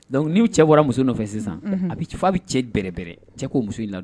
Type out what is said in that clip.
Dɔnku n'u cɛ bɔra muso nɔfɛ sisan a bɛ' bɛ cɛ bɛrɛɛrɛ cɛ k' muso in la